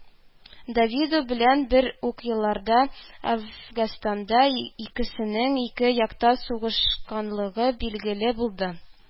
Давидо белән бер үк елларда Әфганстанда икесенең ике якта сугышканлыгы билгеле булды